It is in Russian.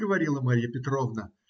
- говорила Марья Петровна.